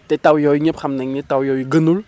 te taw yooyu ñëpp xam nañ ne taw yooyu gënul